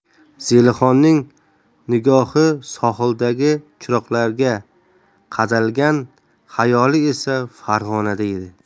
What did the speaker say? zelixonning nigohi sohildagi chiroqlarga qadalgan xayoli esa farg'onada edi